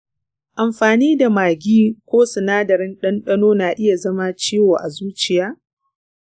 amfani da maggi ko sinadarin ɗanɗano na iya zama ciwo a zuciya?